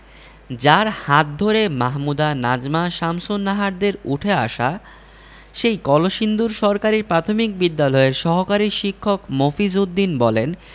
যাঁর হাত ধরে মাহমুদা নাজমা শামসুন্নাহারদের উঠে আসা সেই কলসিন্দুর সরকারি প্রাথমিক বিদ্যালয়ের সহকারী শিক্ষক মফিজ উদ্দিন বললেন